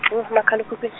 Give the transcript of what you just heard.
kumakhalekhukhwi-.